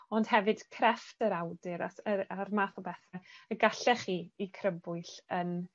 ond hefyd crefft yr awdur at yy a'r math o bethe y gallech chi 'i crybwyll yn